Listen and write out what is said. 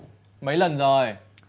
mấy lần rồi